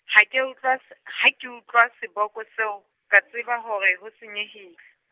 ha ke a utlwa s-, ha ke utlwa seboko seo, ka tseba hore ho senyehile.